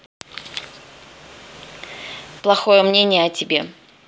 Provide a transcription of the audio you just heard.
плохое мнение о тебе